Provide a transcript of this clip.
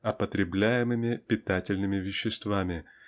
а потребляемыми питательными веществами